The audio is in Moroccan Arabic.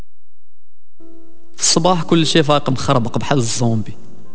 صباح كل شيء فاتك مخربط حلقه الزومبي